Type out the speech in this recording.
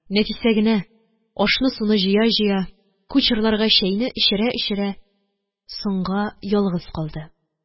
Нәфисә генә ашны-суны җыя-җыя, кучерларга чәйне эчерә-эчерә, соңга ялгыз калды.